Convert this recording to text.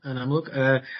yn amlwg yy